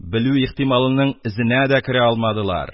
Белү ихтималының эзенә дә керә алмадылар,